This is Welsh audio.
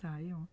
Da iawn ... Yym.